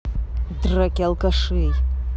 драки алкашей